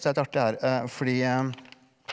så det er litt artig her fordi .